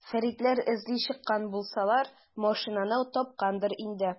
Фәритләр эзли чыккан булсалар, машинаны тапканнардыр инде.